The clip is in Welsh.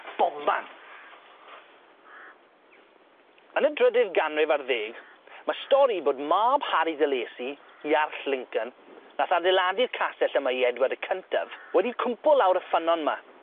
Bobman! Yn y drydydd ganrif ar ddeg ma' stori bod mab Harry de Lacy Iarll Lincoln nath adeiladu'r castell yma i Edward y cyntaf wedi cwmpo lawr y ffynnon 'my.